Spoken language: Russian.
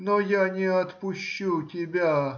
но я не отпущу тебя.